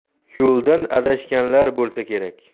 yo'ldan adashganlar bo'lsa kerak